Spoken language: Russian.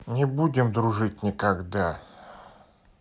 не будем дружить никогда